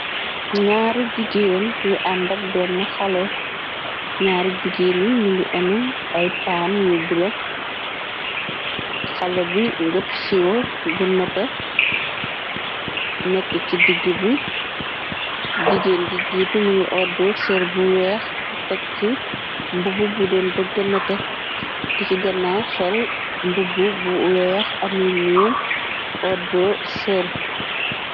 N'aari jigeen yu àndak benn xale ñaari jigeen yi ningi enu ay paan yu bura xale bi ngëp siwa bu nete nekk ci digg bi jigéen ci jiitu mi ngi ordo sër bu weex teg ci mbëbb bu doon bëgg nete ki ci gannaw sol mbëbb bu weex amul ñoun ordo ser.